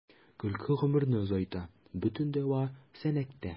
Көлке гомерне озайта — бөтен дәва “Сәнәк”тә.